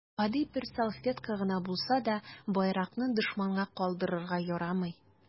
Гади бер салфетка гына булса да, байракны дошманга калдырырга ярамый.